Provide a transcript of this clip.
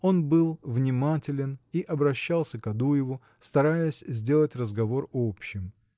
он был внимателен и обращался к Адуеву стараясь сделать разговор общим.